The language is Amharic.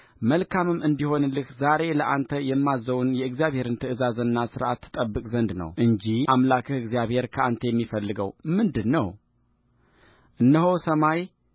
መልካምም እንዲሆንልህ ዛሬ ለአንተ የማዝዘውን የእግዚአብሔርን ትእዛዝና ሥርዓት ትጠብቅ ዘንድ ነው እንጂ አምላክህ እግዚአብሔር ከአንተ የሚፈልገው ምንድር ነው እነሆ